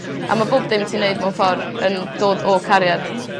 A ma' bob dim ti'n neud mewn ffor yn dod o cariad.